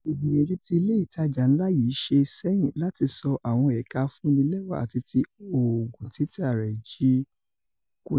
Ìgbìyànjú ti ilé ìtajà ńlá yíì ṣe sẹyìn láti ṣọ àwọn ẹ̀ka afúnnilẹ́wà ati ti òògùn títà rẹ̀ jí kùnà.